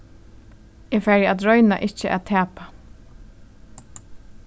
eg fari at royna ikki at tapa